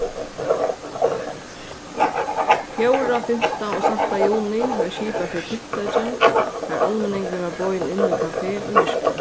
fjórða fimta og sætta juni varð skipað fyri tiltaki har almenningurin varð boðin inn í kafe í myrkri